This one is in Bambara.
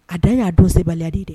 A dan y'a don sabalidi de